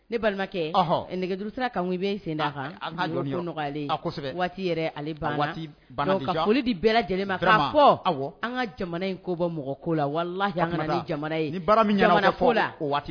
Ne balimakɛ nɛgɛuru sira kan bɛ sen di bɛɛ lajɛlen an ka jamana in ko bɔ mɔgɔ ko la